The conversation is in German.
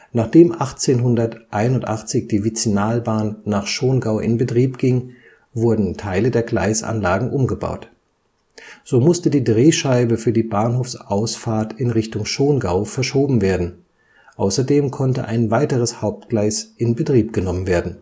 Nachdem 1881 die Vizinalbahn nach Schongau in Betrieb ging, wurden Teile der Gleisanlagen umgebaut. So musste die Drehscheibe für die Bahnhofsausfahrt in Richtung Schongau verschoben werden, außerdem konnte ein weiteres Hauptgleis in Betrieb genommen werden